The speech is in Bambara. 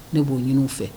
Ne b'o ɲinin fɛ